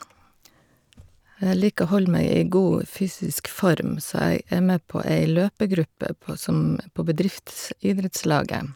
Jeg liker å holde meg i god fysisk form, så jeg er med på ei løpegruppe på som på bedriftsidrettslaget.